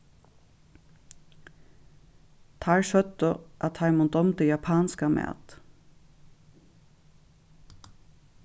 teir søgdu at teimum dámdi japanskan mat